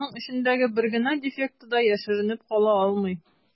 Аның эчендәге бер генә дефекты да яшеренеп кала алмый.